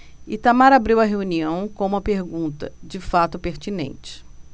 itamar abriu a reunião com uma pergunta de fato pertinente